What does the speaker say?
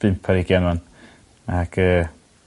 pump ar hugian ŵan ac yy